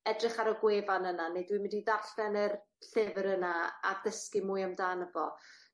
edrych ar y gwefan yna neu dwi mynd i ddarllen yr llyfyr yna a dysgu mwy amdano fo.